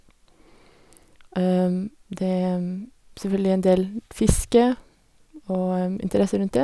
Det er selvfølgelig en del fiske og interesse rundt dét.